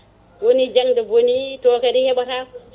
woni jangde booni to kadi heeɓotako